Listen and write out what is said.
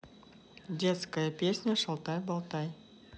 детская песня шалтай болтай